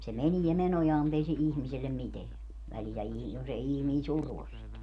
se menee menojaan mutta ei se ihmiselle mitään väliä - jos ei ihminen survo sitä